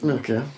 Ocê.